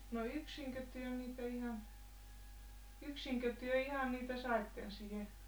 no yksinkö te niitä ihan yksinkö te ihan niitä saitte siihen